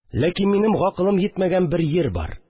Ләкин минем гакылым йитмәгән бер йир бар